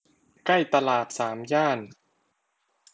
ใกล้ตลาดสามย่าน